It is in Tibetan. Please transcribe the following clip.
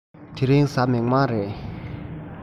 དེ རིང གཟའ མིག དམར རེད